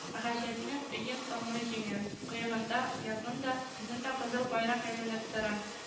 Ә Хаҗәтнең өен тануы җиңел — кыегында язын да, көзен дә кызыл байрак эленеп тора